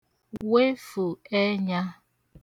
wefụ̀ ẹnyā